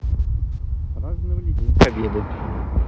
праздновали день победы